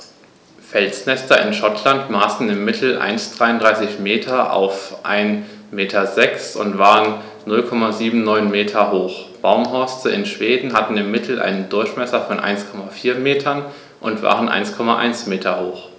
Felsnester in Schottland maßen im Mittel 1,33 m x 1,06 m und waren 0,79 m hoch, Baumhorste in Schweden hatten im Mittel einen Durchmesser von 1,4 m und waren 1,1 m hoch.